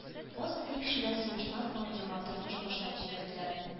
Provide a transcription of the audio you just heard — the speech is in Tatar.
Азмыни кешеләр сугыштан соң яңа тормыш башлап җибәрделәр: